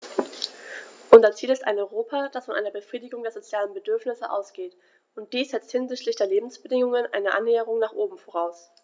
Unser Ziel ist ein Europa, das von einer Befriedigung der sozialen Bedürfnisse ausgeht, und dies setzt hinsichtlich der Lebensbedingungen eine Annäherung nach oben voraus.